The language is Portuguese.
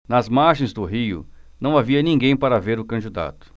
nas margens do rio não havia ninguém para ver o candidato